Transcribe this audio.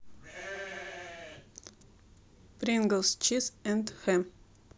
принглс чиз энд хэм